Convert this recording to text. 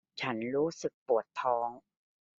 ฉันรู้สึกปวดท้อง